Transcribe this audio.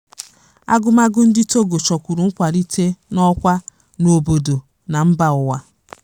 Agụmagụ ndị Togo chọkwuru nkwalite n'ọkwa n'obodo na mba ụwa.